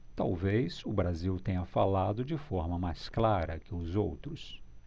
talvez o brasil tenha falado de forma mais clara que os outros